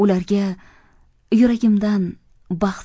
ularga yuragimdan baxt